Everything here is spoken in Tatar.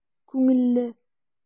Күңелле!